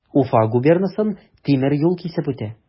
Уфа губернасын тимер юл кисеп үтә.